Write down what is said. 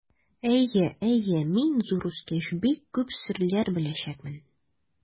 Әйе, әйе, мин, зур үскәч, бик күп серләр беләчәкмен.